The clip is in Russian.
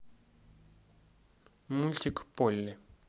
мультик полли